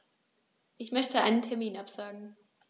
Ich möchte einen Termin absagen.